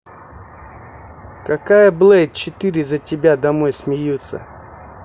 какая блейд четыре за тебя домой смеются